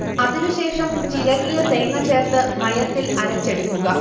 അതിനുശേഷം ചിരകിയ തേങ്ങ ചേർത്ത് മയത്തിൽ അരച്ചെടുക്കുക